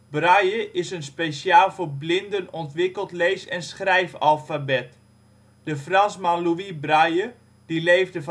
Braille is een speciaal voor blinden ontwikkeld lees - en schrijfalfabet. De Fransman Louis Braille (1809-1852